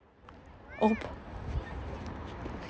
оп